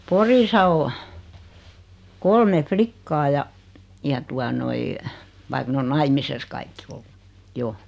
Porissa on kolme likkaa ja ja tuota noin vaikka ne on naimisissa kaikki ollut jo